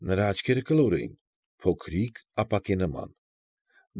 Նրա աչքերը կլոր էին, փոքրիկ, ապակենման։